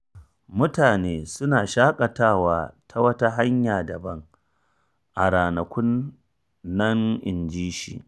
“Mutane suna shaƙatawa ta wata hanya daban” a ranakun nan, injin shi.